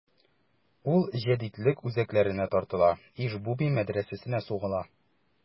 Ул җәдитлек үзәкләренә тартыла: Иж-буби мәдрәсәсенә сугыла.